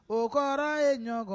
O kɔrɔ ye ɲɔgɔn kɔnɔ